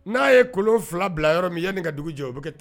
N'a ye kolon fila bila yɔrɔ min ye nin ka dugu jɔ u bɛ taa